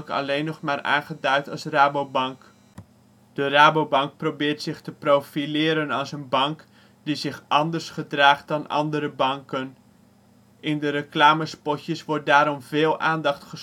alleen nog maar aangeduid als Rabobank. De Rabobank probeert zich te profileren als een bank die zich anders gedraagt dan andere banken. In reclamespotjes wordt daarom veel aandacht